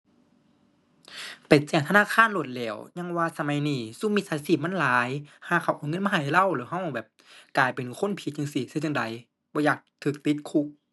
ไปแจ้งธนาคารโลดแหล้ว ยังว่าสมัยนี้ซุมมิจฉาชีพมันหลาย ห่าเขาเอาเงินมาให้เรา แล้วเราแบบกลายเป็นคนผิดจั่งซี้ สิเฮ็ดจั่งใด บ่อยากเราติดคุก